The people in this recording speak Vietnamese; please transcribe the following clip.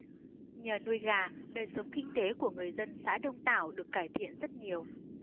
nhờ nuôi gà đời sống kinh tế của người dân xã đông tảo được cải thiện rất nhiều